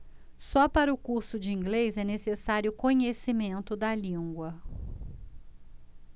só para o curso de inglês é necessário conhecimento da língua